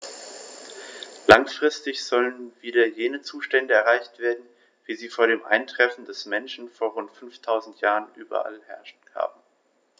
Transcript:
Langfristig sollen wieder jene Zustände erreicht werden, wie sie vor dem Eintreffen des Menschen vor rund 5000 Jahren überall geherrscht haben.